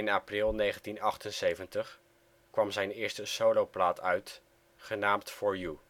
april 1978 kwam zijn eerste soloplaat uit, genaamd For You